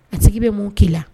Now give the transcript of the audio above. A tigi bɛ mun k'i la